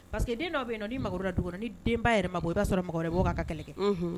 Pa parce que den' bɛ yen nɔn la dɔgɔnin denba yɛrɛ mako i b'a sɔrɔ wɛrɛ bɔ ka kɛlɛ kɛ